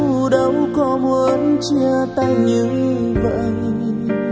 đâu có muốn chia tay như vậy